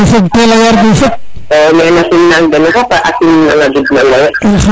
*